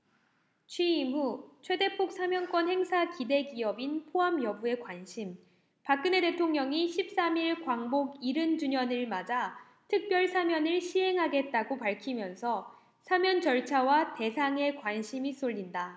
취임 후 최대폭 사면권 행사 기대 기업인 포함 여부에 관심 박근혜 대통령이 십 삼 일 광복 일흔 주년을 맞아 특별사면을 시행하겠다고 밝히면서 사면 절차와 대상에 관심이 쏠린다